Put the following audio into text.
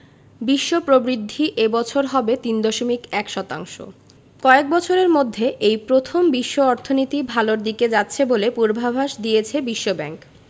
বিশ্ব প্রবৃদ্ধি এ বছর হবে ৩.১ শতাংশ কয়েক বছরের মধ্যে এই প্রথম বিশ্ব অর্থনীতি ভালোর দিকে যাচ্ছে বলে পূর্বাভাস দিয়েছে বিশ্বব্যাংক